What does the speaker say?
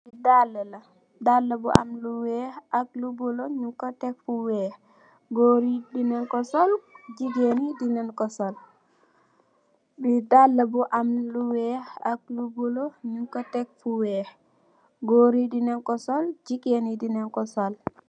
Dalli la, dalli bu am lu wèèx ak lu bula ñing ko tek fu wèèx. Gór yi dinen ko sol gigeen yi dinen ko sol.